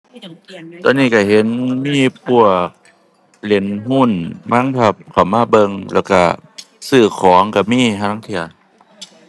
ตอนนี้ก็เห็นมีพวกเล่นหุ้นมั้งครับ เข้ามาเบิ่ง แล้วก็ซื้อของก็มีห่าลางเที่ย